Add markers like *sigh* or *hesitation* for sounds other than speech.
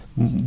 *hesitation* *hesitation*